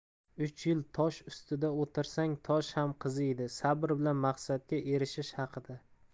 uch yil tosh ustida o'tirsang tosh ham qiziydi sabr bilan maqsadga erishish haqida